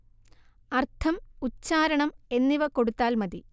അർത്ഥം ഉച്ചാരണം എന്നിവ കൊടുത്താൽ മതി